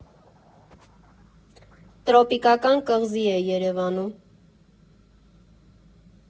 Տրոպիկական կղզի է Երևանում։